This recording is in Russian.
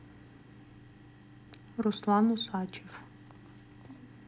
руслан усачев